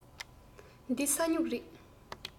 འདི ས སྨྱུག རེད